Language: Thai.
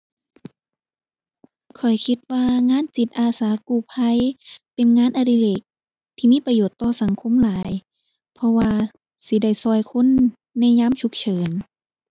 ข้อยคิดว่างานจิตอาสากู้ภัยเป็นงานอดิเรกที่มีประโยชน์ต่อสังคมหลาย เพราะว่าสิได้ช่วยคนในยามฉุกเฉิน